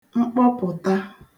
mkpọpụ̀ta